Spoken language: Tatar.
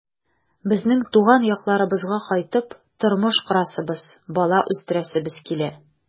Безнең туган якларыбызга кайтып тормыш корасыбыз, бала үстерәсебез килә.